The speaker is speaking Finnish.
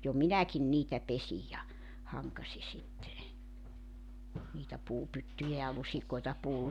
jo minäkin niitä pesin ja hankasin sitten niitä puupyttyjä ja lusikoita -